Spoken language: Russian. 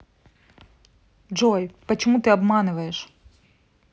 джой почему ты обманываешь